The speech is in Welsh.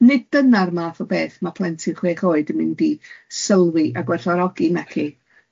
Nid dyna'r math o beth ma' plentyn chwech oed yn mynd i sylwi a gwerthfawrogi naci?